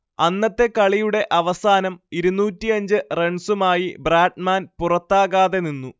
അന്നത്തെ കളിയുടെ അവസാനം ഇരുന്നൂറ്റിയഞ്ച് റൺസുമായി ബ്രാഡ്മാൻ പുറത്താകാതെ നിന്നു